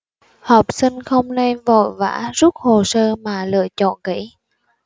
học sinh không nên vội vã rút hồ sơ mà lựa chọn kỹ